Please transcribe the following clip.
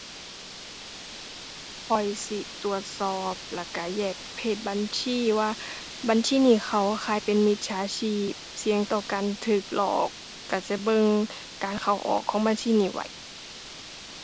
ข้อยสิตรวจสอบแล้วก็แยกประเภทบัญชีว่า บัญชีนี้เข้าข่ายเป็นมิจฉาชีพ เสี่ยงต่อการก็หลอก ก็จะเบิ่งการเข้าออกของบัญชีนี้ไว้